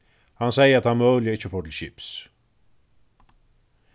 hann segði at hann møguliga ikki fór til skips